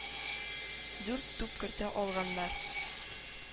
Дүрт туп кертә алганнар.